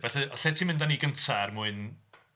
Felly, lle ti'n mynd â ni gynta' er mwyn...